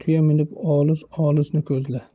tuya minib olis olisni ko'zla